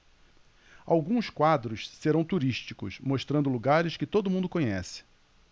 alguns quadros serão turísticos mostrando lugares que todo mundo conhece